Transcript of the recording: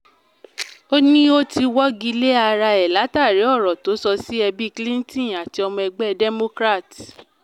Ó ní “Ó ti wọ́gi lé ara ẹ̀ látàrí àwọn ọ̀rọ̀ tó sọ sí ẹbí Clinton and ọmọ ẹgbẹ́ Democrat.”